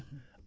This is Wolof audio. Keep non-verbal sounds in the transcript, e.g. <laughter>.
<hesitation>